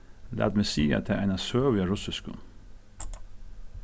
lat meg siga tær eina søgu á russiskum